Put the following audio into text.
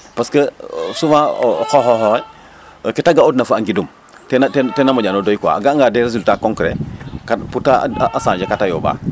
parce que souvent o qooxoox oxe ke ta ga'oodna fo a ngidum ten na moƴan o doy quoi a ga'anga des résultat concret kam pour te changer ka ta yooɓaa